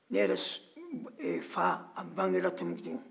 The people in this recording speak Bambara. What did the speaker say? ne yɛrɛ fa a bangera tunbutu